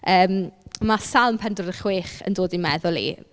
Yym ma' Salm pedwar deg chwech yn dod i'n meddwl i.